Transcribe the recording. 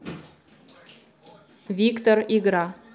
виктор игра